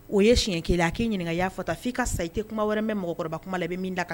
O ye siɲɛ kelenya k'i ɲininka y'a fata k' ii ka sa i tɛ kuma wɛrɛ mɛn mɔgɔkɔrɔba kuma bɛ min da kan